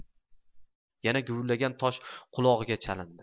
yana guvillagan tovush qulog'iga chalindi